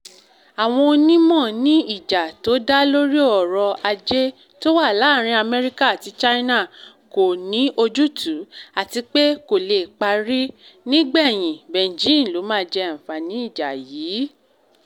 Àwọn onímọ̀ ní ìjà tó dá lórí ọrọ̀-ajé tó wá láàrin Amẹ́ríkà àti China kò ní ojútùú, àtipé kò le parí. Nígbẹ̀yìn, Beijing ló máa jẹ àǹfààní ìjà yí.